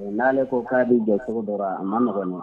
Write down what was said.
N'ale ko k'a bɛ jɔ cogo dɔ la a man nɔgɔn dɛ